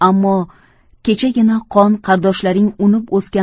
ammo kechagina qon qardoshlaring unib o'sgan